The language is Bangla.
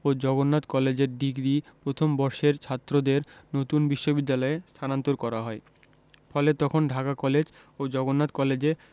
ও জগন্নাথ কলেজের ডিগ্রি প্রথম বর্ষের ছাত্রদের নতুন বিশ্ববিদ্যালয়ে স্থানান্তর করা হয় ফলে তখন ঢাকা কলেজ ও জগন্নাথ কলেজে